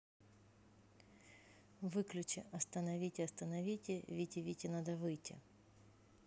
выключи остановите остановите вите вите надо выйти